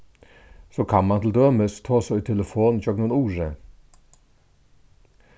so kann mann til dømis tosa í telefon gjøgnum urið